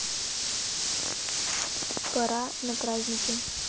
пора на праздники